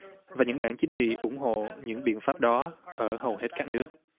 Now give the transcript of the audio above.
và nhửng đảng chính trỉ ủng hổ nhửng biện pháp đó ở hầu hết các nước